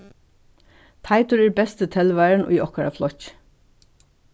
teitur er besti telvarin í okkara flokki